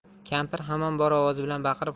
kampir hamon bor ovozi bilan baqirib